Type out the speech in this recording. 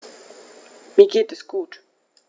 Mir geht es gut.